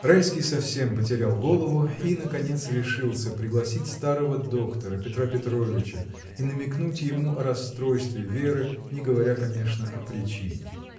Райский совсем потерял голову и наконец решился пригласить старого доктора, Петра Петровича, и намекнуть ему о расстройстве Веры, не говоря, конечно, о причине.